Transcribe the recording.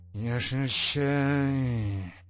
Яшел чәй